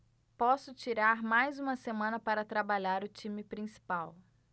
posso tirar mais uma semana para trabalhar o time principal